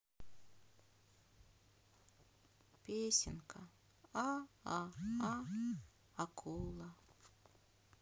песенка а а а акула